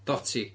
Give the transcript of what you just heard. Dotty.